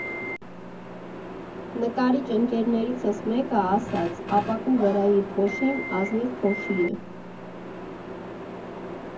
Նկարիչ ընկերներիցս մեկն ասաց՝ ապակու վրայի փոշին ազնիվ փոշի է։